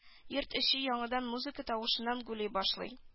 Йорт эче яңадан музыка тавышыннан гүли башлый